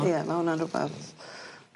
...ie ma' wnna'n rwbeth... Hmm. ...